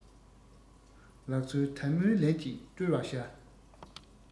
ལག སོར དལ མོས ལེན ཅིག དཀྲོལ བར བྱ